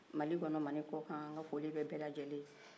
mali kɔnɔ mali kɔ kan n ka foli bɛ bɛɛ lajɛlen ye